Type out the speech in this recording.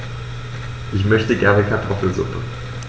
Ich möchte gerne Kartoffelsuppe.